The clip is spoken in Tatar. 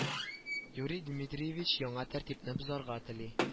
Юрий дмитриевич яңа тәртипне бозарга тели